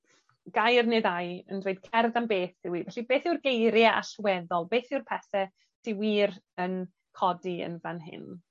Gair neu ddau yn dweud cerdd am beth yw 'i. Felly beth yw'r geirie allweddol, beth yw'r pethe sy wir yn codi yn fan hyn?